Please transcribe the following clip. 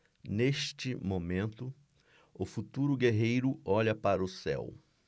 neste momento o futuro guerreiro olha para o céu